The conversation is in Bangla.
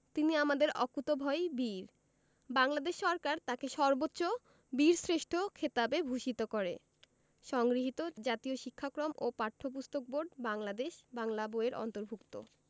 তিনি আমাদের অকুতোভয় বীর বাংলাদেশ সরকার তাঁকে সর্বোচ্চ বীরশ্রেষ্ঠ খেতাবে ভূষিত করে সংগৃহীত জাতীয় শিক্ষাক্রম ও পাঠ্যপুস্তক বোর্ড বাংলাদেশ বাংলা বই এর অন্তর্ভুক্ত